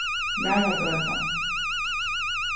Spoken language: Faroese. varðagøta